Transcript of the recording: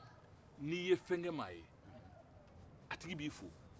n'i ye fɛn kɛ mɔgɔ ye a tigi b'i fo